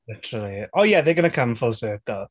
Literally, oh yeah, they're going to come full circle.